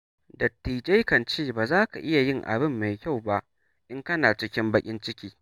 Dattijai kan ce, ba za ka iya yin abin mai kyau ba in kana cikin baƙin ciki.